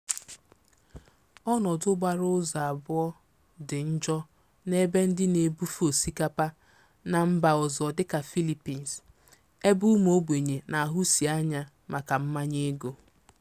Ọnọdụ gbara ụzọ abụọ dị njọ n'ebe ndị na-ebufe osikapa na mba ọzọ dịka Philippines, ebe ụmụogbenye na-ahusi anya maka mmanye ego.